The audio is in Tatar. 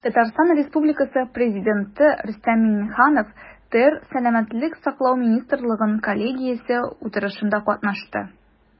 Татарстан Республикасы Президенты Рөстәм Миңнеханов ТР Сәламәтлек саклау министрлыгының коллегиясе утырышында катнашты.